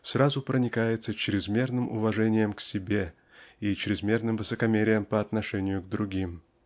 сразу проникается чрезмерным уважением к себе и чрезмерным высокомерием по отношению к другим.